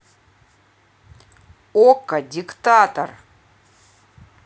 okko диктатор